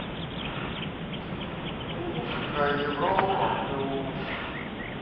музыка европа плюс